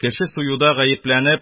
Кеше суюда гаепләнеп,